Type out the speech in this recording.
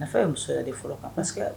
Nafa Ye musoya de fɔlɔ kan parce que